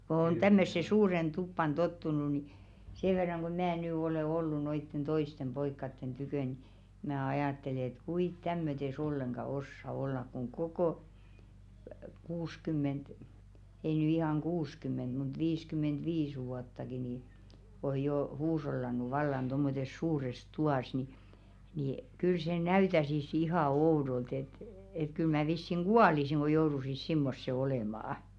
kun on tämmöiseen suureen tupaan tottunut niin sen verran kun minä nyt olen ollut noiden toisten poikien tykönä niin minä ajattelen että kuinka tämmöisessä ollenkaan osaa olla kun koko kuusikymmentä ei nyt ihan kuusikymmentä mutta viisikymmentäviisi vuottakin niin on jo huushollannut vallan tuommoisessa suuressa tuvassa niin niin kyllä se näyttäisi ihan oudolta että että kyllä minä vissiin kuolisin kun joutuisin semmoiseen olemaan